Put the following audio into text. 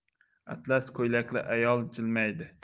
atlas ko'ylakli ayol jilmaydi